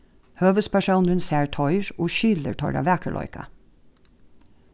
høvuðspersónurin sær teir og skilur teirra vakurleika